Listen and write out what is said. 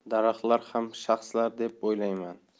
daraxtlar ham shaxslar deb o'ylayman